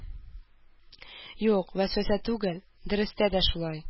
Юк, вәсвәсә түгел, дөрестә дә шулай.